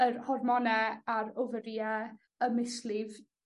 yr hormone a'r ofyrie y mislif